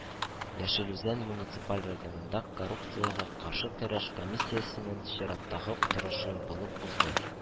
Яшел Үзән муниципаль районында коррупциягә каршы көрәш комиссиясенең чираттагы утырышы булып узды.